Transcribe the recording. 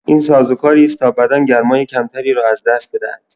این سازوکاری است تا بدن گرمای کم‌تری را از دست بدهد.